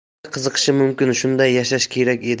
sizga qiziqishi mumkin shunday yashash kerak